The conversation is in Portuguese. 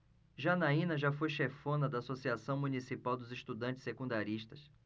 janaina foi chefona da ames associação municipal dos estudantes secundaristas